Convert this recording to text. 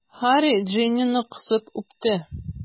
Һарри Джиннины кысып үпте.